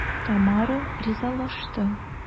Тамара ризалашты.